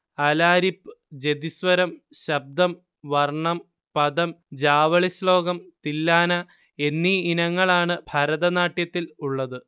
അലാരിപ്പ് ജതിസ്വരം ശബ്ദം വർണം പദം ജാവളി ശ്ലോകം തില്ലാന എന്നീ ഇനങ്ങളാണ് ഭരതനാട്യത്തിൽ ഉള്ളത്